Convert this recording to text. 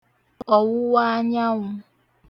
ọ̀wụwaanyanwụ̄